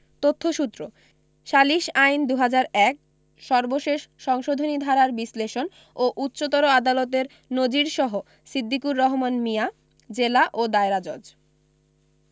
তথ্যসূত্র সালিস আইন ২০০১ সর্বশেষ সংশোধনী ধারার বিশ্লেষণ ও উচ্চতর আদালতের নজীর সহ ছিদ্দিকুর রহমান মিয়া জেলা ও দায়রা জজ